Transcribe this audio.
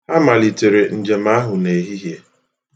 Ha malitere njem ahụ n'ehihie.